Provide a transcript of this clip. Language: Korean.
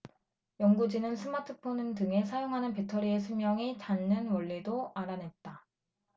연구진은 스마트폰 등에 사용하는 배터리의 수명이 닳는 원리도 알아냈다